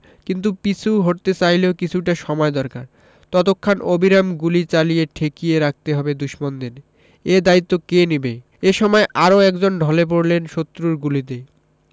কিন্তু পিছু হটতে চাইলেও কিছুটা সময় দরকার ততক্ষণ অবিরাম গুলি চালিয়ে ঠেকিয়ে রাখতে হবে দুশমনদের এ দায়িত্ব কে নেবে এ সময় আরও একজন ঢলে পড়লেন শত্রুর গুলিতে